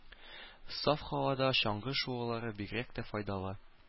Саф һавада чаңгы шуулары бигрәк тә файдалы.